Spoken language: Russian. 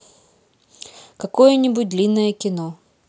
какое нибудь длинное кино